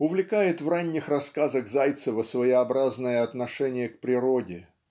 Увлекает в ранних рассказах Зайцева своеобразное отношение к природе